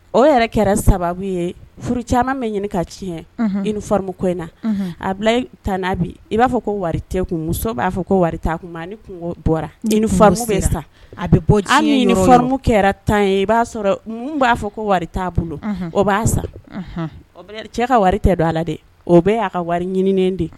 O yɛrɛ kɛra sababu ye furu caman bɛ ɲini ka tiɲɛ imu ko in na a bila i t n' bi i b'a fɔ ko wari tɛ kun b'a fɔ ko wari kun ni bɔra a bɛ bɔmu kɛra tan ye i b'a sɔrɔ b'a fɔ ko wari t'a bolo o b'a sa cɛ ka wari tɛ don a ala dɛ o bɛ y'a ka wari ɲinin de